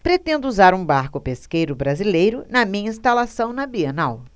pretendo usar um barco pesqueiro brasileiro na minha instalação na bienal